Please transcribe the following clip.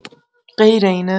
غیر اینه؟